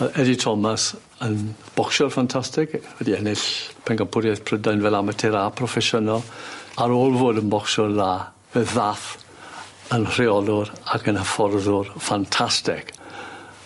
My' Eddie Thomas yn bocsiwr ffantastig y- wedi ennill pencampwriaeth Prydain fel amatur a proffesiynol ar ôl fod yn bocsiwr dda fe ddath yn rheolwr ac yn hyfforddwr ffantastic.